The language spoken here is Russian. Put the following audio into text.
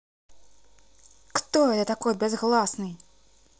кто это такой безгласный